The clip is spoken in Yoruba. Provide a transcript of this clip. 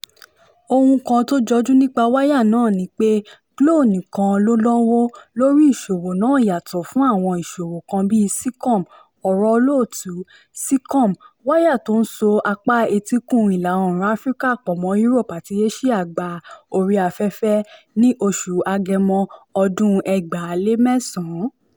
Ohun kan tó jọjú nipa wáyà náà ni pé Glo nìka ló náwó lóri ìṣòwò náà yàtọ̀ fún àwọn ìṣòwò kan bíi Seacom [Ọ̀rọ̀ Olóòtu: Seacom, wáyà tó ń so apá etíkun ìlà-oòrùn Áfíríkà pọ̀ mọ́ Europe àti Asia gba orí afẹ́fẹ́ ní oṣù Agẹmọ, ọdún 2009]